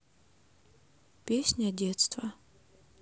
песня детства